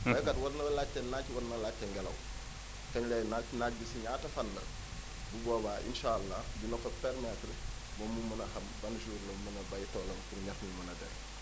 baykat war na laajte naaj war na laajte ngelaw kañ lay naaj naaj bi si ñaata fan la bu boobaa incha allah dina ko permettre moom mu mën a xam ban jour la mën a bay toolam pour nga ñax mi mën a dem